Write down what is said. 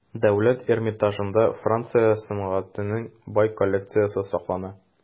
Дәүләт Эрмитажында Франция сәнгатенең бай коллекциясе саклана.